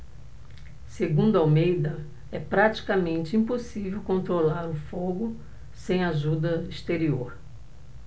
segundo almeida é praticamente impossível controlar o fogo sem ajuda exterior